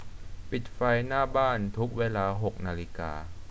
ปิดไฟหน้าบ้านทุกเวลาหกนาฬิกา